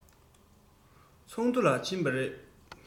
ཚོགས འདུལ ལ ཕྱིན པ རེད